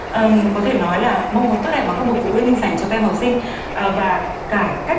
ờm có thể nói là mong muốn tốt đẹp mà các bậc phụ huynh dành cho các em học sinh ờ và cải cách